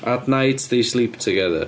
At night they sleep together